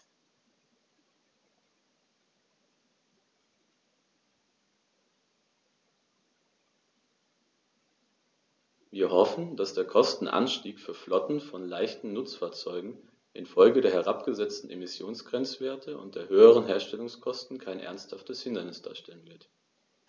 Wir hoffen, dass der Kostenanstieg für Flotten von leichten Nutzfahrzeugen in Folge der herabgesetzten Emissionsgrenzwerte und der höheren Herstellungskosten kein ernsthaftes Hindernis darstellen wird.